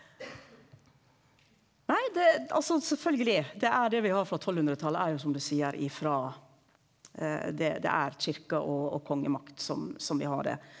nei det altså sjølvsagt det er det vi har frå tolvhundretalet er jo som du seier ifrå det det er kyrkje- og og kongemakt som som vi har det.